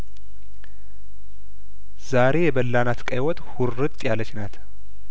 ዛሬ የበላናት ቀይወጥ ሁርጥ ያለችናት